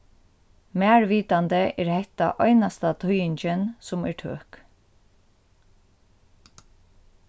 mær vitandi er hetta einasta týðingin sum er tøk